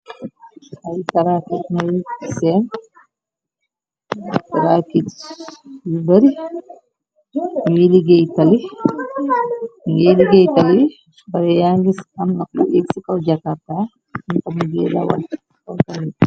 Ay trakit ngay seenrakit yu bari ñuy iggéengiy liggéey tali bari ya ngis am nax bu eg ci kaw jakarta nu tamugee rawat awtalyi.